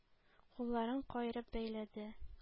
Кулларын каерып бәйләде.